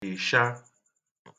ị̀sha